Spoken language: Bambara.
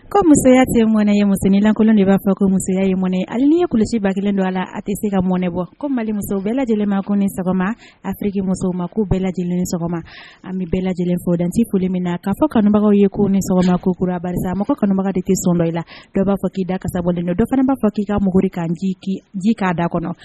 Ko musoya tɛ mɔnɛ ye muninkolon de b'a fɔ ko musoya ye mɔn hali ye kuluba kelen don a la a tɛ se ka mɔnɛ bɔ ko mali muso bɛɛ lajɛlenma ko ni sɔgɔma a hakɛke muso ma ko bɛɛ lajɛlen ni sɔgɔma an bɛ bɛɛ lajɛlen fɔdteoli min na k'a fɔ kanubagaw ye ko ni sɔgɔma ko kura ba mɔgɔ kɔnɔbaga de tɛ sɔn dɔ i la dɔw b'a fɔ k'i da kasa bɔlen la dɔ fana b'a fɔ k'i ka mugugri kan ji k'a da kɔnɔ